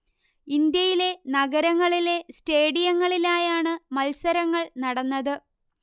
ഇന്ത്യയിലെ നഗരങ്ങളിലെ സ്റ്റേഡിയങ്ങളിലായാണ് മത്സരങ്ങൾ നടന്നത്